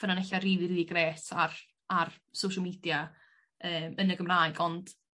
ffynonella' rili rili grêt ar ar social media yy yn y Gymraeg ond